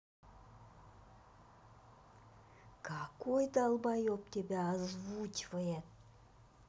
какой долбоеб тебя озвучивает